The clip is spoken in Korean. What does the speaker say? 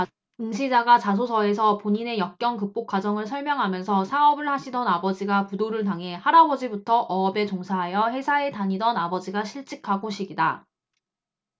응시자가 자소서에서 본인의 역경 극복 과정을 설명하면서 사업을 하시던 아버지가 부도를 당해 할아버지부터 어업에 종사하여 회사에 다니던 아버지가 실직하고 식이다